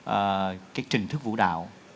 ờ cái trình thức vũ đạo